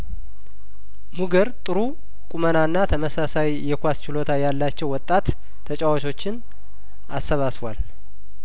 ሙገር ጥሩ ቁመናና ተመሳሳይ የኳስ ችሎታ ያላቸው ወጣት ተጨዋቾችን አሰባስቧል